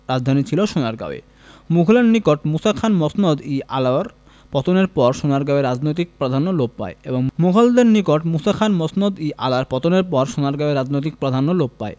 রাজধানী ছিল সোনারগাঁয়ে মুগলের নিকট মুসা খান মসনদ ই আলার পতনের পর সোনারগাঁয়ের রাজনৈতিক প্রাধান্য লোপ পায় মুগলের নিকট মুসা খান মসনদ ই আলার পতনের পর সোনারগাঁয়ের রাজনৈতিক প্রাধান্য লোপ পায়